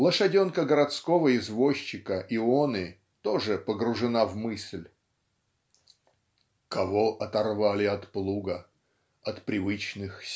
Лошаденка городского извозчика Ионы тоже погружена в мысль "кого оторвали от плуга от привычных